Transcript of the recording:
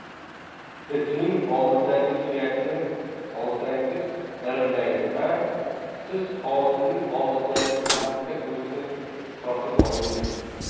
itning oldidagi suyakni olsangiz irillaydi a siz hosilning og'zidagi laqqa go'shtni tortib oldingiz